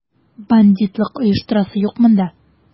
Бандитлык оештырасы юк монда!